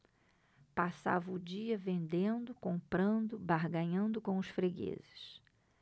passava o dia vendendo comprando barganhando com os fregueses